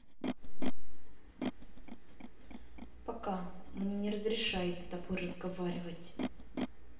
пока мне не разрешает с тобой разговаривать